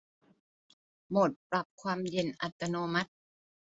โหมดปรับความเย็นอัตโนมัติ